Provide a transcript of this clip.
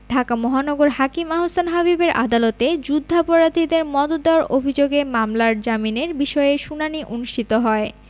ঢাকা মহানগর হাকিম আহসান হাবীবের আদালতে যুদ্ধাপরাধীদের মদদ দেওয়ার অভিযোগের মামলার জামিনের বিষয়ে শুনানি অনুষ্ঠিত হয়